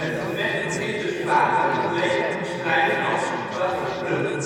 gevecht begint dus vaak met wat leken omschrijven als: dat gepluk